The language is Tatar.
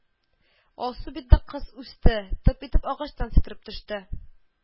Алсу битле кыз үсте, Тып итеп агачтан сикереп төште